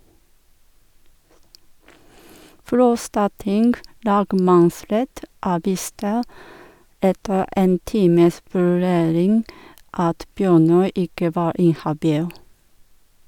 Frostating lagmannsrett avviste etter en times vurdering at Bjørnøy ikke var inhabil.